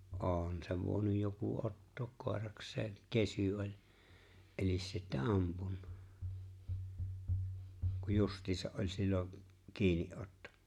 on sen voinut joku ottaa koirakseen kesy oli eli sitten ampunut kun justiinsa oli silloin kiinni otto